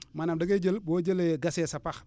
maanaam da ngay jël boo jëlee gasee sa pax